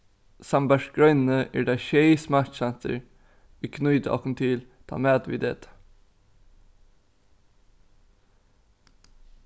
sambært greinini eru tað sjey smakksansir ið knýta okkum til tann matin vit eta